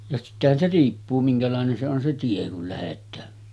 ja sittenhän se riippuu minkälainen se on se tie kun lähdetään